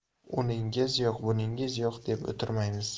uningiz yo'q buningiz yo'q deb o'tirmaymiz